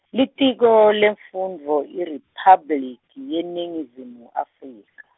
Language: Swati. Litiko lemfundvo IRiphabliki yeNingizimu Afrika.